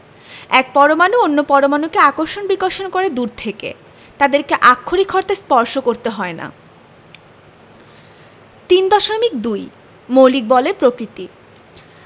এক পরমাণু অন্য পরমাণুকে আকর্ষণ বিকর্ষণ করে দূর থেকে তাদেরকে আক্ষরিক অর্থে স্পর্শ করতে হয় না 3.2 মৌলিক বলের প্রকৃতি